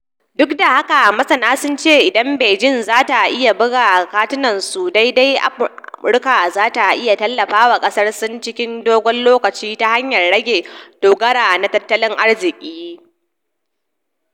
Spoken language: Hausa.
Duk da haka, masana sun ce idan Beijing za ta iya buga katunansa daidai, Amurka za ta iya tallafawa kasar Sin cikin dogon lokaci ta hanyar rage- dogaro na tattalin arziki.